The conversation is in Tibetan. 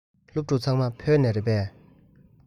སློབ ཕྲུག ཚང མ བོད ལྗོངས ནས རེད པས